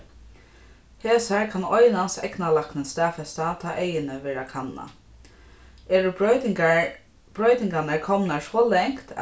hesar kann einans eygnalæknin staðfesta tá eyguni verða kannað eru broytingar broytingarnar komnar so langt